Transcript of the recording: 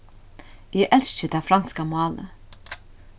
eg elski tað franska málið